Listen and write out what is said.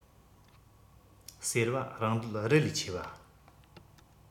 ཟེར བ རང འདོད རི ལས ཆེ བ